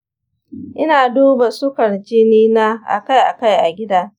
ina duba sukar jini na akai-akai a gida.